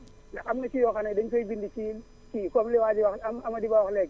te am na si yoo xam ne dañ koy bind si kii comme li waa ji wax Am Amady Ba wax léegi